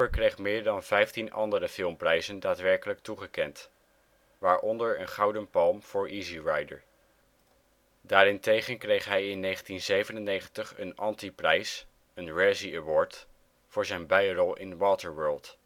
kreeg meer dan vijftien andere filmprijzen daadwerkelijk toegekend, waaronder een Gouden Palm voor Easy Rider. Daarentegen kreeg hij in 1997 een (antiprijs) Razzie Award voor zijn bijrol in Waterworld